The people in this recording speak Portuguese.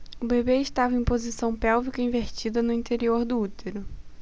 o bebê estava em posição pélvica invertida no interior do útero